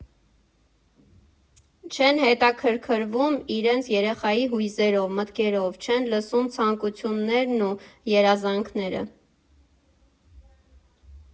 Չեն հետաքրքրվում իրենց երեխայի հույզերով, մտքերով, չեն լսում ցանկություններն ու երազանքները։